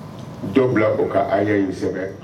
Dɔ bila o ka a ye in sɛ